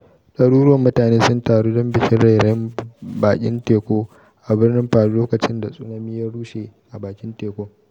Daruruwan mutane sun taru don bikin rairayin bakin teku a birnin Palu lokacin da tsunami ya rushe a bakin tekun.